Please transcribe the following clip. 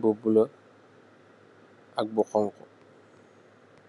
bu blue ak bu hunhu.